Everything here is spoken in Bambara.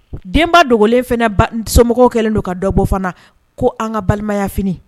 Denba dogolen fana somɔgɔw kɛlen don ka dɔbɔ fana ko an ka balimayaf